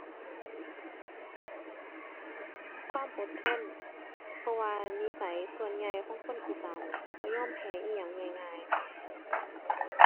ความอดทน เพราะว่านิสัยส่วนใหญ่ของคนอีสานนี่บ่ยอมแพ้อิหยังง่ายง่าย